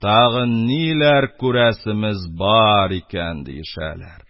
Тагы ниләр күрәсемез бар икән! — диешәләр.